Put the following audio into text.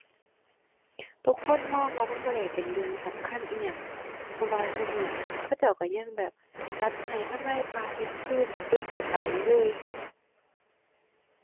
ทุกคนมองว่ามันบ่ได้เป็นเรื่องสำคัญอิหยัง เพราะว่าซุมื้อนี้ เขาเจ้าก็ยังแบบ ตัดไม้ทำลายป่า เฮ็ดฟืน เอาฟืนเข้าเตาอยู่เลย